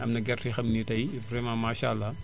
am na gerte yoo xam ni tey vraiment maasàllaa